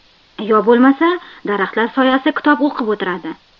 yo bo'lmasa daraxtlar soyasida kitob o'qib o'tiradi